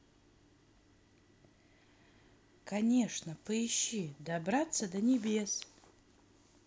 конечно поищи добраться до небес